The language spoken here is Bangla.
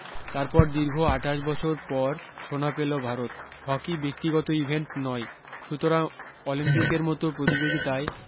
তারপর দীর্ঘ আঠাশ বছর পর সোনা পেল ভারত হকি ব্যক্তিগত ইভেন্ট নয় সুতরাং অলিম্পিকের মতো প্রতিযোগিতায়